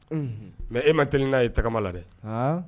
Mɛ e ma teli n'a ye tagama la dɛ